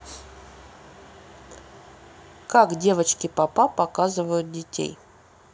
как девочки попа показывают детей